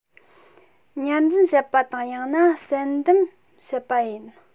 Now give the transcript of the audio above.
ཉར འཛིན བྱེད པ དང ཡང ན བསལ འདེམས བྱེད པ ཡིན